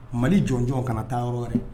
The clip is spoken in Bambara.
Mali jɔnj kana taa yɔrɔ wɛrɛ